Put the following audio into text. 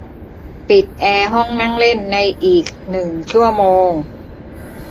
ปิดแอร์ห้องนั่งเล่นในอีกหนึ่งชั่วโมง